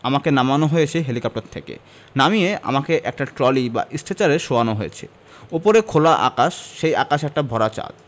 আমাকে নামানো হয়েছে হেলিকপ্টার থেকে নামিয়ে আমাকে একটা ট্রলি বা স্ট্রেচারে শোয়ানো হয়েছে ওপরে খোলা আকাশ সেই আকাশে একটা ভরা চাঁদ